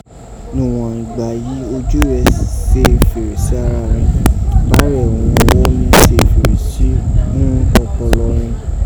Nùwàn ùgbà yìí ojú rèé si fèrèsé ara rin, bárẹ̀ oghun ọwọ́ mi se fèrèsé ghún ọpọlọ rin.